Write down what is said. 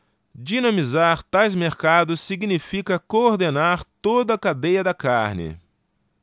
dinamizar tais mercados significa coordenar toda a cadeia da carne